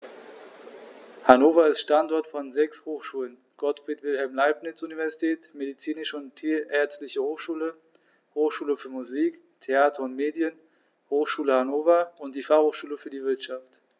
Hannover ist Standort von sechs Hochschulen: Gottfried Wilhelm Leibniz Universität, Medizinische und Tierärztliche Hochschule, Hochschule für Musik, Theater und Medien, Hochschule Hannover und die Fachhochschule für die Wirtschaft.